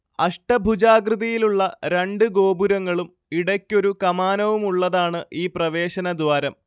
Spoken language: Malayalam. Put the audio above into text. അഷ്ടഭുജാകൃതിയിലുള്ള രണ്ട് ഗോപുരങ്ങളും ഇടയ്ക്കൊരു കമാനവുമുള്ളതാണ് ഈ പ്രവേശനദ്വാരം